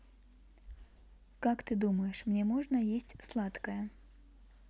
как ты думаешь мне можно есть сладкое